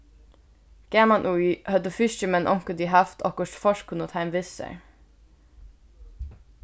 gaman í høvdu fiskimenn onkuntíð havt okkurt forkunnugt heim við sær